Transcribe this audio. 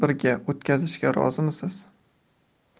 birga o'tkazishga rozimisiz